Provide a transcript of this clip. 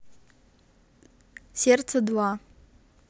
сердце два